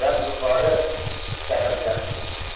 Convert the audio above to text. dam yuqori chaqirgan